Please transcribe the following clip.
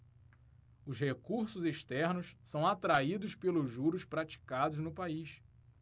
os recursos externos são atraídos pelos juros praticados no país